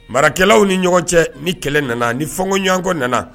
Marakɛlaw ni ɲɔgɔn cɛ ni kɛlɛ nana ni fɔko ɲɔgɔnko nana